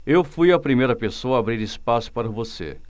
eu fui a primeira pessoa a abrir espaço para você